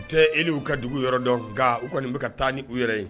U tɛ Eli u ka dugu yɔrɔ dɔn nka u kɔnni bɛka ka taa ni u yɛrɛ ye.